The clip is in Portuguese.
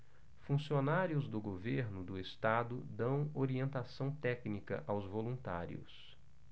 funcionários do governo do estado dão orientação técnica aos voluntários